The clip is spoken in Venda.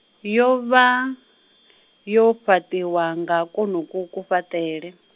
yo vha, yo fhaṱiwa nga kwonoku kufhaṱele.